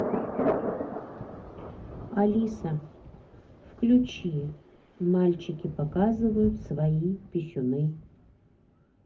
алиса включи мальчики показывают свои писюны